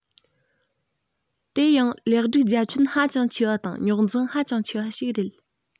དེ ཡང ལེགས སྒྲིག རྒྱ ཁྱོན ཧ ཅང ཆེ བ དང རྙོག འཛིང ཧ ཅང ཆེ བ ཞིག རེད